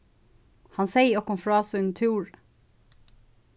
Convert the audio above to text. hann segði okkum frá sínum túri